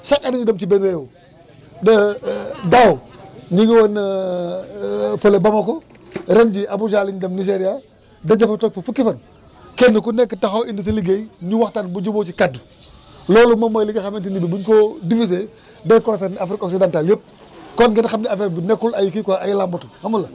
chaque année ñu dem ci benn réew daaw ñu ngi woon fële Bamako ren jii Abuja la ñu dem Nigéria daje fa toog fa fukki fan kenn ku nekk taxaw indi sa liggéey ñu waxtaan ba jubóo ci kaddu loolu moom mooy li nga xamante ne bi bu ñu ko divisé day concerner Afrique Occidentale yëpp kon ngeen xam ne affaire bi nekkul ay kii quoi ay làmbatu xam nga la